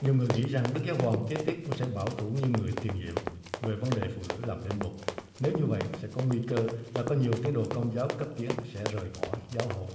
nhiều người nghĩ rằng đức giáo hoàng kế tiếp cũng sẽ bảo thủ như người tiền nhiệm về vấn đề phụ nữ làm linh mục nếu như vậy sẽ có nguy cơ là có nhiều tín đồ công giáo cấp tiến sẽ rời bỏ giáo hội